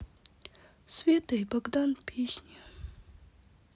света и богдан песни